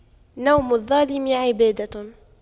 نوم الظالم عبادة